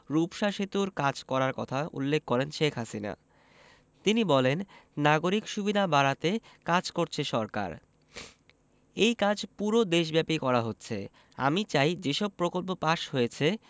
রূপসা সেতুর কাজ করার কথা উল্লেখ করেন শেখ হাসিনা তিনি বলেন নাগরিক সুবিধা বাড়াতে কাজ করছে সরকার এই কাজ পুরো দেশব্যাপী করা হচ্ছে আমি চাই যেসব প্রকল্প পাস হয়েছে